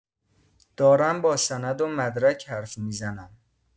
دارم با سند و مدرک حرف می‌زنم.